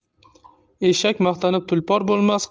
eshak maqtanib tulpor bo'lmas